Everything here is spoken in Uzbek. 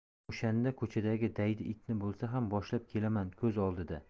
ana o'shanda ko'chadagi daydi itni bo'lsa ham boshlab kelaman ko'z oldida